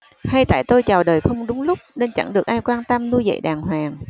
hay tại tôi chào đời không đúng lúc nên chẳng được ai quan tâm nuôi dạy đàng hoàng